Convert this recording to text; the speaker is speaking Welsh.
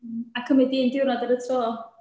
A cymryd un diwrnod ar y tro.